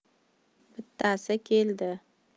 bittasi keldi